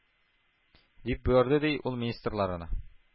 — дип боерды, ди, ул министрларына.